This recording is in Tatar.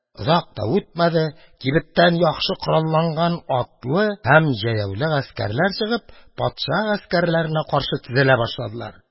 Озак та үтмәде, кибеттән яхшы коралланган атлы һәм җәяүле гаскәрләр чыгып, патша гаскәрләренә каршы тезелә башладылар.